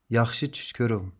ياخشى چۈش كۆرۈڭ